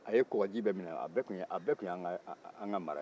a ye kɔgɔji bɛɛ minɛ a bɛɛ kun ye an ka mara ye